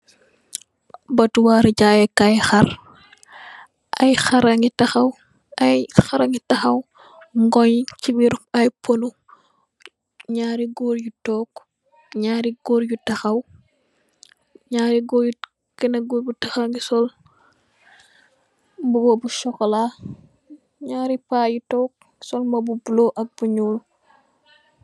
Batuwarri jayekai harr I harra ngi tahaw i harra ngi tahaw ngoon sey birr i pono nyarri gorr yu tog nyarri gorr yu tahaw nyarri gorr kenen koku tahaw ngi sol mbuba bu sokola nyarri pa yu tog sol mbuba bu blue ak bu nyuul.